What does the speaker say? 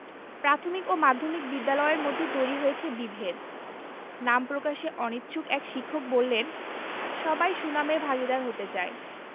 প্রাথমিক ও মাধ্যমিক বিদ্যালয়ের মধ্যে তৈরি হয়েছে বিভেদ নাম প্রকাশে অনিচ্ছুক এক শিক্ষক বললেন সবাই সুনামের ভাগীদার হতে চায়